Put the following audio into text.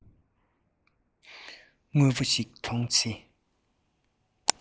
དངོས པོ ཞིག མཐོང ཚེ